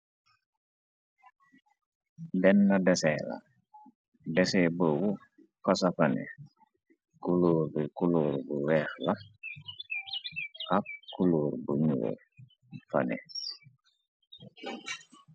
Benna desee la, desee boobu(... inaudible ) kuloor bi, kulóor bu weex la ak kulóor bu ñuul moo fa nekkë.